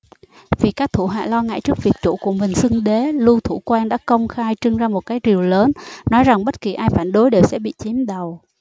vì các thủ hạ lo ngại trước việc chủ của mình xưng đế lưu thủ quang đã công khai trưng ra một cái rìu lớn nói rằng bất kỳ ai phản đối đều sẽ bị chém đầu